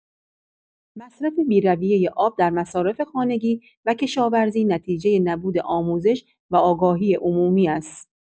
مصرف بی‌رویۀ آب در مصارف خانگی و کشاورزی نتیجۀ نبود آموزش و آگاهی عمومی است.